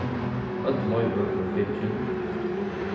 øll loyvi vóru fingin